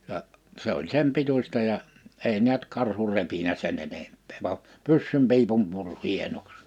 ja se oli sen pituista ja ei näet karhu repinyt sen enempää vaan pyssyn piipun puri hienoksi